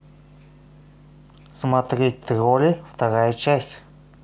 смотреть тролли вторая часть